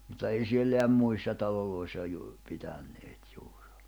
mutta ei siellä muissa taloissa juuri pitäneet juuri